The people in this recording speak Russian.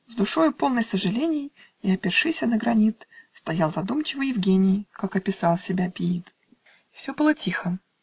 С душою, полной сожалений, И опершися на гранит, Стоял задумчиво Евгений, Как описал себя пиит . Все было тихо